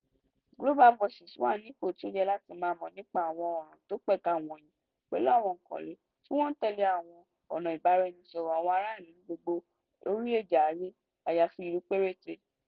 Global Voices wà ní ipò tí ó yẹ láti máa mọ̀ nípa àwọn ọ̀ràn tí ó pẹ̀ka wọ̀nyí pẹ̀lú àwọn ọ̀ǹkọ̀wé tí wọ́n ń tẹ́lẹ̀ àwọn ọ̀nà ìbáraẹnisọ̀rọ̀ àwọn ará ìlù ní gbogbo orílẹ̀-èdè ayé àyàfi ìlú péréte.